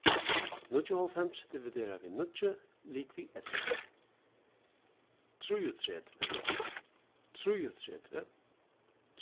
níggjuoghálvfems dividerað við níggju ligvið ellivu trýogtretivu trýogtretivu